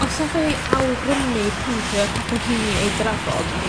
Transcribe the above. Os hoffe ei awgrymu pync yr hoffe i ni ei drafod